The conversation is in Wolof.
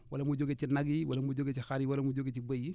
wala mu jóge ci nag yiwala mu jóge ci xar yi wala mu jóge ci béy yi